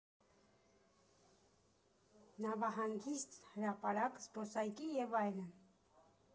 Նավահանգիստ, հրապարակ, զբոսայգի և այլն։